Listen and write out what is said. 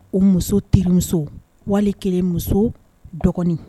O muso tmuso wali kɛlen muso dɔgɔnin